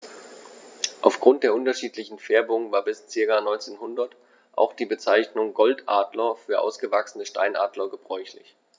Auf Grund der unterschiedlichen Färbung war bis ca. 1900 auch die Bezeichnung Goldadler für ausgewachsene Steinadler gebräuchlich.